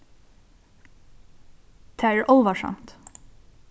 tað er álvarsamt